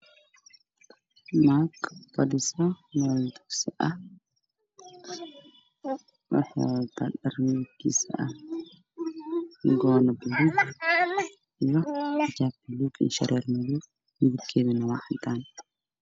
Waa islaan oo fadhiga masaajid oo wadato xijaab iyo cabaayad buluug ah indha shareer